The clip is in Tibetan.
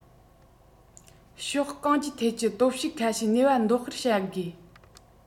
ཕྱོགས གང ཅིའི ཐད ཀྱི སྟོབས ཤུགས ཁ ཤས ནུས པ འདོན སྤེལ བྱ དགོས